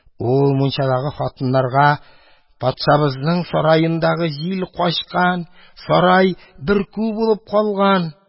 Ул мунчадагы хатыннарга: «Патшабызның сараендагы җил качкан, сарай бөркү булып калган.